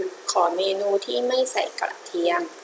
ขอเมนูที่ไม่ใส่กระเทียม